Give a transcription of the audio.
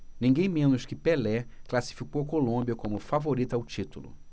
ninguém menos que pelé classificou a colômbia como favorita ao título